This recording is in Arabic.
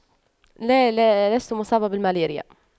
لا لا لست مصابة بالملاريا